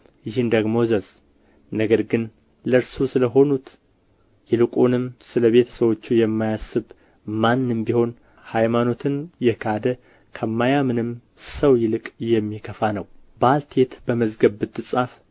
ይህን ደግሞ እዘዝ ነገር ግን ለእርሱ ስለ ሆኑት ይልቁንም ስለ ቤተ ሰዎቹ የማያስብ ማንም ቢሆን ሃይማኖትን የካደ ከማያምንም ሰው ይልቅ የሚከፋ ነው ባልቴት በመዝገብ ብትጻፍ